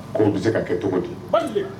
Ko o bi se ka kɛ cogo di baalik